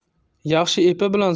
yaxshi epi bilan